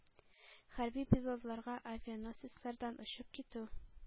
Хәрби пилотларга авианосецлардан очып китү-